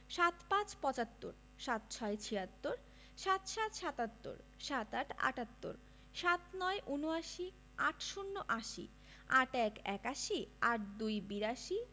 ৭৫ – পঁচাত্তর ৭৬ - ছিয়াত্তর ৭৭ – সাত্তর ৭৮ – আটাত্তর ৭৯ – উনআশি ৮০ - আশি ৮১ – একাশি ৮২ – বিরাশি